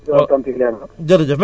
waa ñu ngi lay sant bu baax